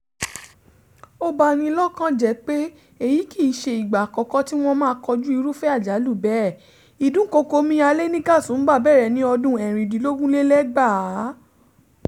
Ó ba ni lọ́kàn jẹ́ pé, èyí kìí ṣe ìgbà àkọ́kọ́ tí wọ́n máa kọjú irúfẹ́ àjálù bẹ́ẹ̀: ìdúnkòokò omíyalé ní Gatumba bẹ̀rẹ̀ ní ọdún 2016.